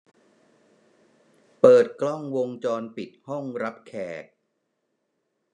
เปิดกล้องวงจรปิดห้องรับแขก